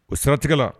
O siratigɛ la